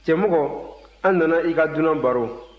cɛmɔgɔ an nana i ka dunan baro